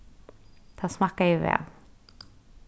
tað smakkaði væl